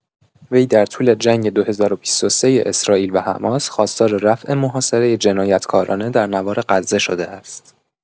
وی در طول جنگ ۲۰۲۳ اسرائیل و حماس، خواستار رفع محاصره جنایتکارانه در نوار غزه شده است.